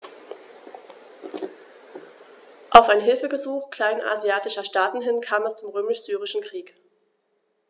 Auf ein Hilfegesuch kleinasiatischer Staaten hin kam es zum Römisch-Syrischen Krieg.